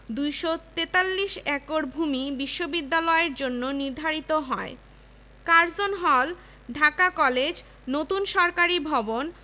২৪৩ acre ভূমি বিশ্ববিদ্যালয়ের জন্য নির্ধারিত হয় কার্জন হল ঢাকা কলেজ নতুন সরকারি ভবন